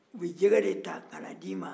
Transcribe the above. a bɛ jɛgɛ de ta kana d'i ma